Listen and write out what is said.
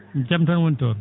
jaam tan woni toon